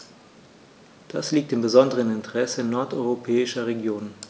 Dies liegt im besonderen Interesse nordeuropäischer Regionen.